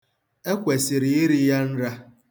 E kwsiri iri ya nra.